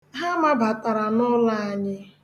Ha mabatara na ụlọ anyị